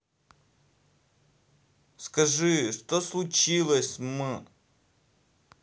скажи что случилось с m